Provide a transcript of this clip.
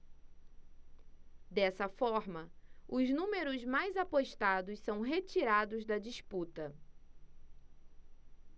dessa forma os números mais apostados são retirados da disputa